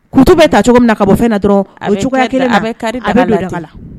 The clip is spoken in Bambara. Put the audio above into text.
Kutu bɛɛ ta cogo min na ka bɔ fɛn dɔrɔn cogoya